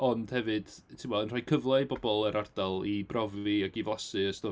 Ond hefyd timod yn rhoi cyfle i bobl yr ardal i brofi ac i flasu y stwff.